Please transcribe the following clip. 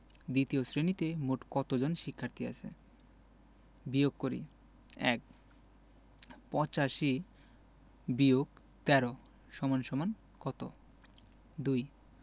দ্বিতীয় শ্রেণিতে মোট কত জন শিক্ষার্থী আছে বিয়োগ করিঃ ১ ৮৫-১৩ = কত ২